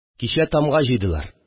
Кичә тамга җыйдылар